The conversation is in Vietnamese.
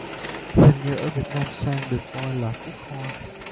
hình như ở việt nam sen được coi là quốc hoa